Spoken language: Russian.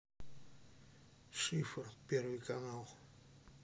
шифр первый канал